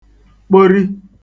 kpori